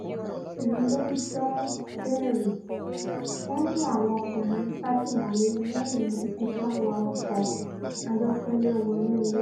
Ìlú Lọndọnderi: Wọ́n mú àwọn ọkùnrin sátìmọ́lé lẹ́yìn ìfipáwa-ọkọ́ ayọ́kẹ́lẹ́ wọnú ilé